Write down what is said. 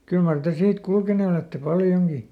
kyllä mar te siitä kulkeneet olette paljonkin